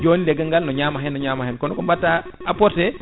joni leggal ngal ne ñama hen ne ñama hen kono ko apporté